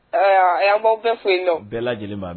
Ɛɛ a y' baw bɛɛ foyi yen nɔ bɛɛ lajɛlen ma